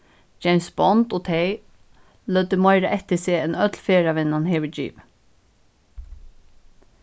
james bond og tey løgdu meira eftir seg enn øll ferðavinnan hevur givið